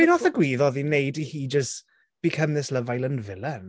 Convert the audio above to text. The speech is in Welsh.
Be wnaeth ddigwyddodd i wneud i hi jyst become this Love Island villain?